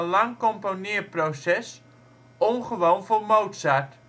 lang componeerproces, ongewoon voor Mozart